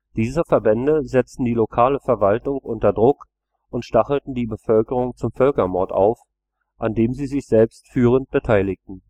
Diese Verbände setzten die lokale Verwaltung unter Druck und stachelten die Bevölkerung zum Völkermord auf, an dem sie sich selbst führend beteiligten